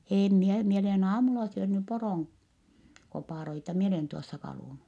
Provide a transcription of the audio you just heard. en minä minä olen aamulla syönyt poron koparoita minä olen tuossa kalunnut